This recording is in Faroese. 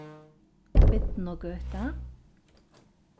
birnugøta